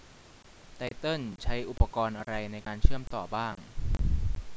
ไตเติ้ลใช้อุปกรณ์อะไรในการเชื่อมต่อบ้าง